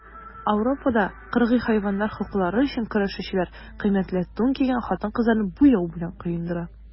Ауропада кыргый хайваннар хокуклары өчен көрәшүчеләр кыйммәтле тун кигән хатын-кызларны буяу белән коендыра.